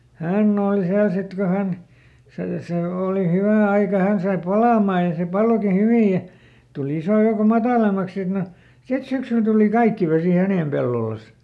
hän oli siellä sitten kun hän se se oli hyvä aika hän sai palamaan ja se palokin hyvin ja tuli ison joukon matalammaksi sitten no sitten syksyllä tuli kaikki vesi hänen pellollensa